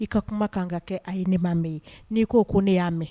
I ka kuma ka kan ka kɛ a ye ne ma mɛn ye n'i ko ko ne y'a mɛn